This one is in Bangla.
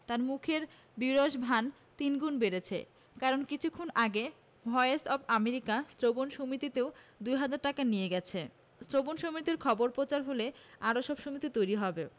তাঁর মুখের বিরস ভান তিনগুণ বেড়েছে কারণ কিছুক্ষণ আগে ভয়েস অব আমেরিকা শ্রবণ সমিতিও দু হাজার টাকা নিয়ে গেছে শ্রবণ সমিতির খবর প্রচার হলে আরো সব সমিতি তৈরি হবে